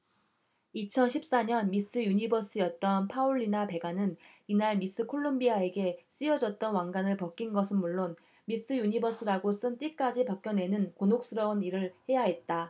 이천 십 사 년 미스 유니버스였던 파울리나 베가는 이날 미스 콜롬비아에게 씌워줬던 왕관을 벗긴 것은 물론 미스 유니버스라고 쓴 띠까지 벗겨내는 곤혹스런 일을 해야 했다